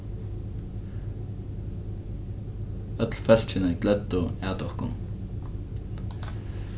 øll fólkini gløddu at okkum